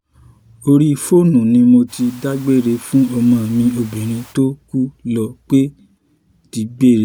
Orí fóònù ni mo ti dágbére fún ọmọ mi obìnrin tó ń kú lo pé ó digbére.